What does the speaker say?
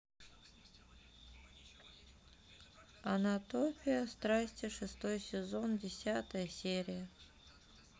анатомия страсти шестой сезон десятая серия